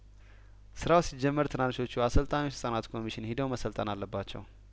ስራው ሲጀመር ትናንሾቹ አሰልጣኞች ህጻናት ኮሚሽን ሄደው መሰልጠን አለባቸው